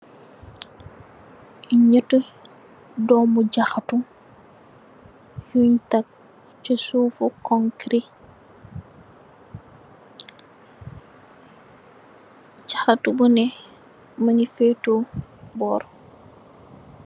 Ñyetti doomi jaxatu yen tèg ci suuf fu konkiri jaxatu bu neh mugii feeto bor.